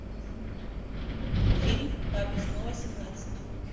фильм папе снова семнадцать